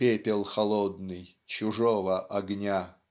пепел холодный чужого огня.